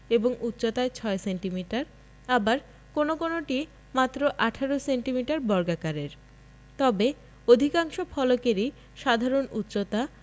এবং উচ্চতায় ৬ সেন্টিমিটার আবার কোন কোনটি মাত্র ১৮ সেন্টিমিটার বর্গাকারের তবে অধিকাংশ ফলকেরই সাধারণ উচচতা